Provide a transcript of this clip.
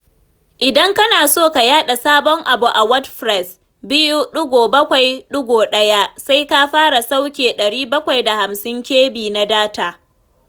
Idan kana so ka yaɗa sabon abu a 'WordPress (2.7.1)' sai ka fara sauke 750kb na data.